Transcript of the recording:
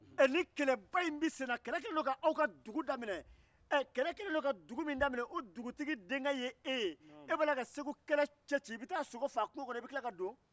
ni kɛlɛba in na kɛlɛ kɛlen don k'aw ka dugu daminɛ e ye dugutigi den ye i b'a la ka kɛlɛ cɛci ka taa sogo faa ka na